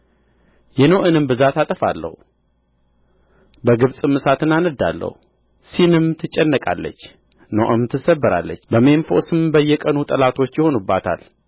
የኖእንም ብዛት አጠፋለሁ በግብጽም እሳትን አነድዳለሁ ሲንም ትጨነቃለች ኖእም ትሰበራለች በሜምፎስም በየቀኑ ጠላቶች ይሆኑባታል